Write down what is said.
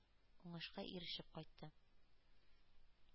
Уңышка ирешеп кайтты.